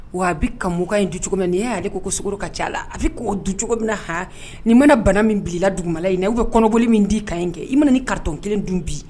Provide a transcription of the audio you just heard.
Wa a bɛ ka moka in dun cogo min na, nin y'a ye ale ko sukaro ka ca a la. A bɛ k'o dun cogo min na han, ni mana bana min bila i la duguma la in na ou bien kɔnɔboli min d'i kan in kɛ .I mana ni carton kelen dun bi.